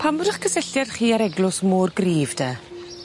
Pam bod 'ych cysylltiad chi a'r eglws mor gryf de?